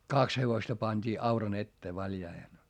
kaksi hevosta pantiin auran eteen valjaisiin